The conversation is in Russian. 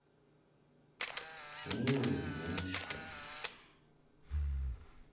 милые мишки